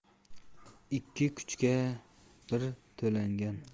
ikki ko'chgan bir talangan